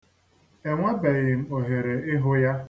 Enwebeghị m ohere ịhụ ya.